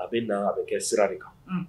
A bɛ na a bɛ kɛ sira de kan